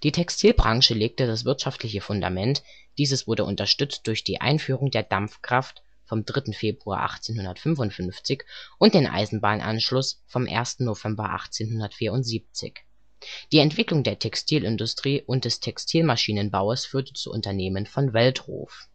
Textilbranche legte das wirtschaftliche Fundament, dieses wurde unterstützt durch die Einführung der Dampfkraft (3. Februar 1855) und den Eisenbahnanschluss (1. November 1874). Die Entwicklung der Textilindustrie und des Textilmaschinenbaues führte zu Unternehmen von Weltruf